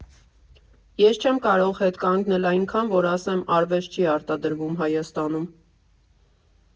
Ես չեմ կարող հետ կանգնել այնքան, որ ասեմ՝ արվեստ չի արտադրվում Հայաստանում։